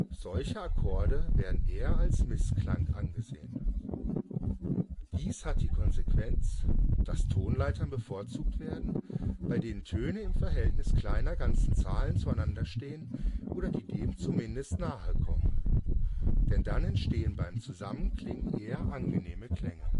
Solche Akkorde werden eher als Missklang angesehen. Dies hat die Konsequenz, dass Tonleitern bevorzugt werden, bei denen Töne im Verhältnis kleiner ganzer Zahlen zueinander stehen, oder die dem zumindest nahe kommen. Denn dann entstehen beim Zusammenklingen eher angenehme Klänge